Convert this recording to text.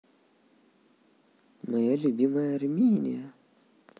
моя любимая армения